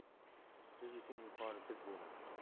siz uchun yuqori biz bo'lamiz